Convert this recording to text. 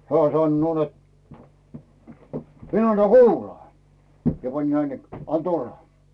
hän sanoo että minä annan kuulaa ja panin näin että anna tulla